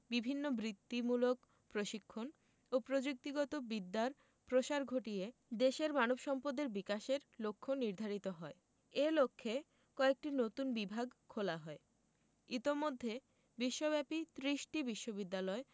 বিভিন্ন বৃত্তিমূলক প্রশিক্ষণ ও প্রযুক্তিগত বিদ্যার প্রসার ঘটিয়ে দেশের মানব সম্পদের বিকাশের লক্ষ্য নির্ধারিত হয় এ লক্ষ্যে কয়েকটি নতুন বিভাগ খোলা হয় ইতোমধ্যে বিশ্বব্যাপী ত্রিশটি বিশ্ববিদ্যালয়